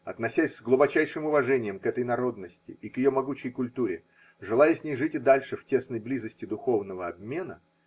Относясь с глубочайшим уважением к этой народности и к ее могучей культуре, желая с ней жить и дальше в тесной близости духовного обмена.